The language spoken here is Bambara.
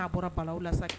N'a bɔra la sa